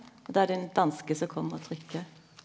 og da er det ein danske som kjem og trykker.